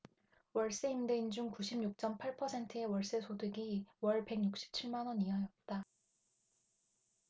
월세 임대인 중 구십 육 쩜 팔 퍼센트의 월세소득이 월 백 육십 칠 만원 이하였다